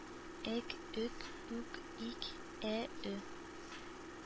Әк, өк, үк, ик ә , ө